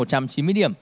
trăm chín mươi điểm